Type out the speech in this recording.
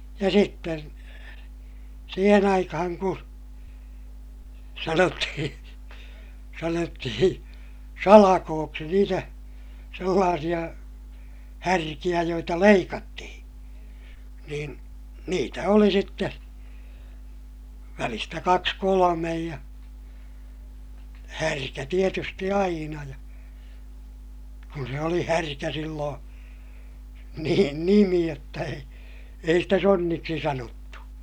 ja sitten siihen aikaan kun sanottiin sanottiin salkoiksi niitä sellaisia härkiä joita leikattiin niin niitä oli sitten välistä kaksi kolme ja härkä tietysti aina ja kun se oli härkä silloin niiden nimi jotta ei ei sitä sonniksi sanottu